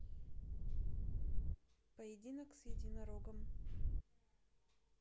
поединок с единорогом